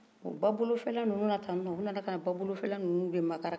babolofɛla ninnuw na ten tɔ u nana ka na babolofɛla ninnuw de makaran